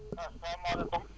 asalaamaaleykum